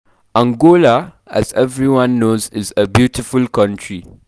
Angola, as everyone knows, is a beautiful country.